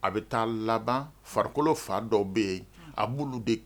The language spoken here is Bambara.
A bɛ taa laban farikolo fan dɔ bɛ yen a b’olu